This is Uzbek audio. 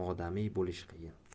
odamiy bo'lish qiyin